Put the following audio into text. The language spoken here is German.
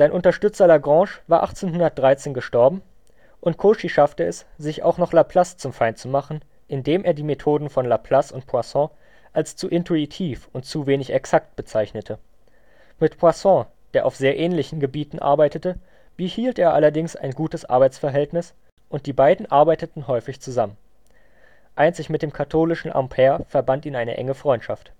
Unterstützer Lagrange war 1813 gestorben, und Cauchy schaffte es, sich auch noch Laplace zum Feind zu machen, indem er die Methoden von Laplace und Poisson als zu intuitiv und zu wenig exakt bezeichnete. Mit Poisson, der auf sehr ähnlichen Gebieten arbeitete, behielt er allerdings ein gutes Arbeitsverhältnis und die beiden arbeiteten häufig zusammen. Einzig mit dem katholischen Ampère verband ihn eine enge Freundschaft